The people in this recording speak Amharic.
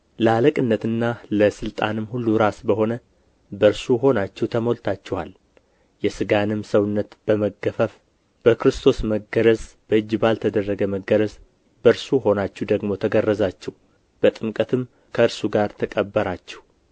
ለአለቅነትና ለሥልጣንም ሁሉ ራስ በሆነ በእርሱ ሆናችሁ ተሞልታችኋል የሥጋንም ሰውነት በመገፈፍ በክርስቶስ መገረዝ በእጅ ባልተደረገ መገረዝ በእርሱ ሆናችሁ ደግሞ ተገረዛችሁ